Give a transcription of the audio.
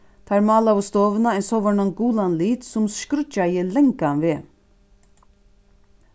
teir málaðu stovuna ein sovorðnan gulan lit sum skríggjaði langan veg